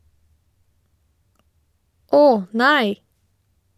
Åh nei.